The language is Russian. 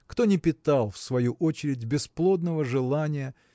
Кто не питал в свою очередь бесплодного желания